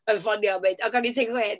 yn ffonio a mynd, "o, gawn ni tecawê".